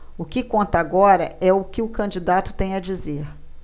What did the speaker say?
o que conta agora é o que o candidato tem a dizer